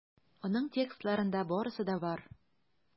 Аның текстларында барысы да бар.